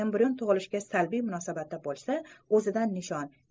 embrion tug'ilishga salbiy munosabatda bo'lsa o'zidan nishon